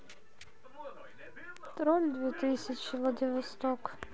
троль две тысячи владивосток